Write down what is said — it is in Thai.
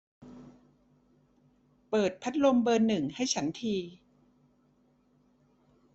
เปิดพัดลมเบอร์หนึ่งให้ฉันที